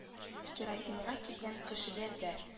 Керосинга килгән кешеләр дә